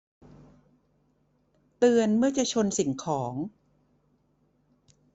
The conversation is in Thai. เตือนเมื่อจะชนสิ่งของ